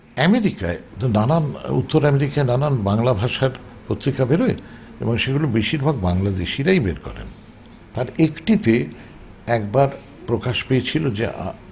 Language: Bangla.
আমেরিকায় নানান উত্তর আমেরিকায় নানান বাংলা ভাষার পত্রিকা বেরোয় এবং সেগুলো বেশির ভাগ দেশী রাই বের করেন তার একটিতে একবার একবার প্রকাশ পেয়েছিল যে